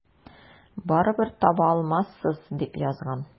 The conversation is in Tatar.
Барыбер таба алмассыз, дип язган.